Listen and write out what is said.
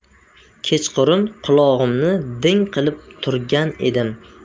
kechqurun qulog'imni ding qilib turgan edim